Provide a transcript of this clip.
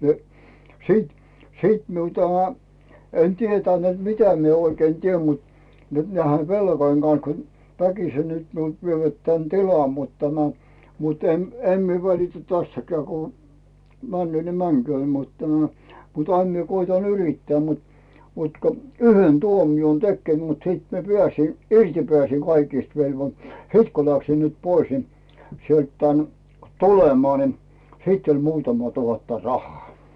no sitten sitten minun tämä en tiennyt niin että mitä minä oikein teen mutta nyt näiden velkojen kanssa kun väkisin nyt minulta vievät tämän tilan mutta tänä mutta en en minä välitä tästäkään kun menee niin menköön mutta tämä mutta aina minä koetan yrittää mutta mutta kun yhden tuomion tekee mutta sitten minä pääsin irti pääsin kaikista - sitten kun läksin nyt pois niin sieltä tänne tulemaan niin sitten oli muutama tuhatta rahaa